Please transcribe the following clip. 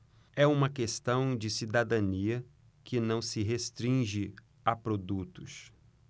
é uma questão de cidadania que não se restringe a produtos